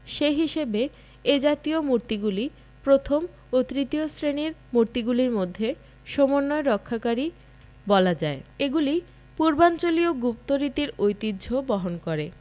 সে হিসেবে এ জাতীয় মূর্তিগুলি প্রথম ও তৃতীয় শ্রেণির মূর্তিগুলির মধ্যে সমন্বয় রক্ষাকারী বলা যায় এগুলি পূর্বাঞ্চলীয় গুপ্ত রীতির ঐতিহ্য বহন করে